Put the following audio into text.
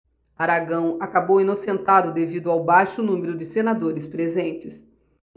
aragão acabou inocentado devido ao baixo número de senadores presentes